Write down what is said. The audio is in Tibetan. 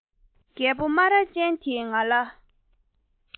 རྒད པོ སྨ ར ཅན དེས ང ལ